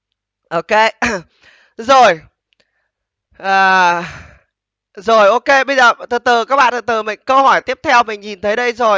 ô kê dồi à rồi ô kê bây giờ từ từ các bạn từ từ mình câu hỏi tiếp theo mình nhìn thấy đây rồi